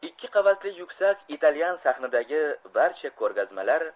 ikki qavatli yuksak italyan sahnidagi barcha ko'rgazmalar